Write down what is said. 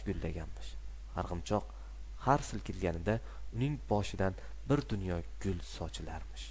arg'imchoq har silkinganida uning boshidan bir dunyo gul sochilarmish